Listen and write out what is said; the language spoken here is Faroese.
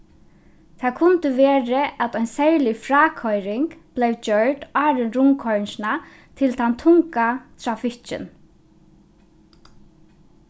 tað kundi verið at ein serlig frákoyring bleiv gjørd áðrenn rundkoyringina til tann tunga trafikkin